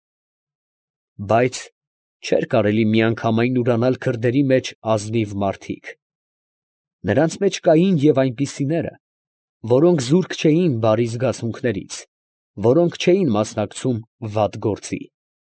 Բայց չէր կարելի միանգամայն ուրանալ քրդերի մեջ ազնիվ մարդիկ. նրանց մեջ կային և այնպիսիներն, որոնք զուրկ չէին բարի զգացմունքներից, որոնք չէին մասնակցում վատ գործի։